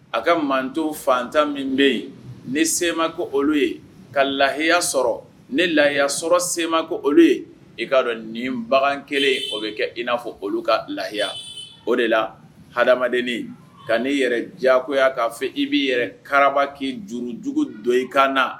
A ka manto fantan min bɛ yen ne sema ko olu ye ka lahiya sɔrɔ ne laya sɔrɔ sema ko olu ye i'a dɔn nin bagan kelen o bɛ kɛ i n'a fɔ olu ka layiya o de la ha adamaden ka nei yɛrɛ diyagoya k'a fɛ i bɛ yɛrɛ kararaba' jurujugu dɔ i kan